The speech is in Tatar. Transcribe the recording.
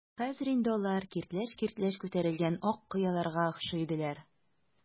Хәзер инде алар киртләч-киртләч күтәрелгән ак кыяларга охшый иделәр.